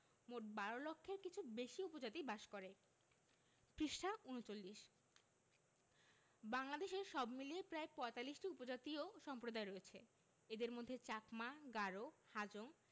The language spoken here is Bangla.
মোট ১২ লক্ষের কিছু বেশি উপজাতি বাস করে পৃষ্টা ৩৯ বাংলাদেশে সব মিলিয়ে প্রায় ৪৫টি উপজাতীয় সম্প্রদায় রয়েছে এদের মধ্যে চাকমা গারো হাজং